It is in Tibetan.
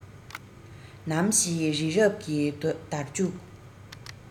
ནམ ཞིག རི རབ ཀྱི འདར ལྕུག